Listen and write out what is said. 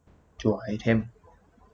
จั่วไอเทม